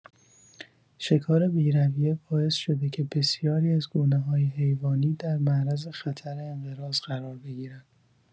شکار بی‌رویه، باعث شده که بسیاری از گونه‌های حیوانی در معرض خطر انقراض قرار بگیرن.